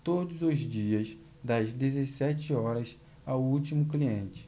todos os dias das dezessete horas ao último cliente